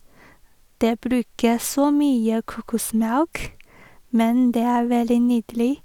Det bruker så mye kokosmelk, men det er veldig nydelig.